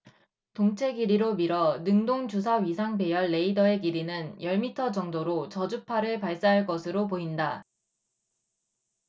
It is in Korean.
동체 길이로 미뤄 능동주사 위상 배열 레이더의 길이는 열 미터 정도로 저주파 를 발사할 것으로 보인다